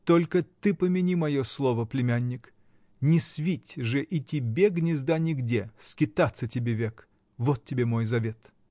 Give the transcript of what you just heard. Только ты помяни мое слово, племянник: не свить же и тебе гнезда нигде, скитаться тебе век. Вот тебе мой завет".